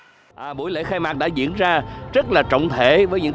à buổi lễ khai mạc đã diễn ra rất là trọng thể với những